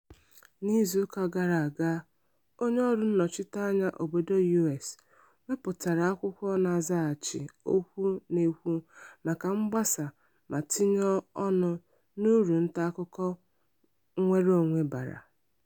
N'izuụka gara aga, onye ọrụ nnọchite anya obodo U.S. wepụtara akwụkwọ na-azaghachi okwu na-ekwu maka mgbasa ma tinye ọnụ n'uru ntaakụkọ nnwere onwe bara.